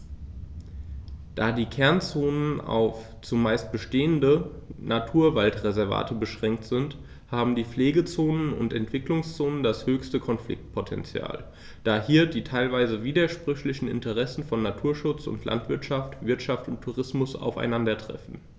Da die Kernzonen auf – zumeist bestehende – Naturwaldreservate beschränkt sind, haben die Pflegezonen und Entwicklungszonen das höchste Konfliktpotential, da hier die teilweise widersprüchlichen Interessen von Naturschutz und Landwirtschaft, Wirtschaft und Tourismus aufeinandertreffen.